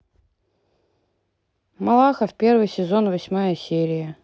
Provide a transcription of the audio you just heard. малахов первый сезон восьмая серия